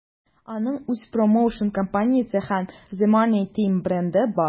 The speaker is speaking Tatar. Аның үз промоушн-компаниясе һәм The Money Team бренды бар.